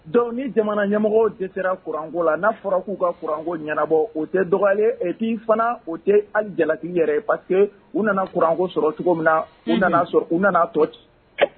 Dɔnku ni jamana ɲɛmɔgɔ de sera kuranko la n'a fɔra k'u ka kuranko ɲɛnabɔ o tɛ dɔgɔp fana o tɛ ali jalaki yɛrɛ pa que u nana kuranko sɔrɔ cogo min na u u nana tɔ ten